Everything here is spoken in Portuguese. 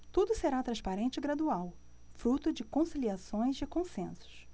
tudo será transparente e gradual fruto de conciliações e consensos